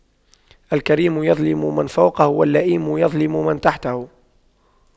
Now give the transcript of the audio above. الكريم يظلم من فوقه واللئيم يظلم من تحته